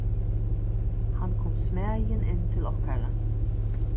hann kom smæðin inn til okkara